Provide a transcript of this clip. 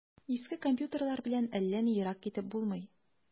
Иске компьютерлар белән әллә ни ерак китеп булмый.